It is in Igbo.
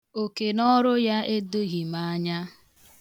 Okenọọrụ ya edoghị m anya.